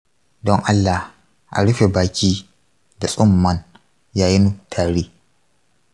don allah a rufe baki da tsunman yayin tari.